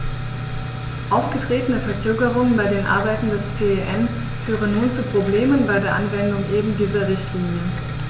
Aufgetretene Verzögerungen bei den Arbeiten des CEN führen nun zu Problemen bei der Anwendung eben dieser Richtlinie.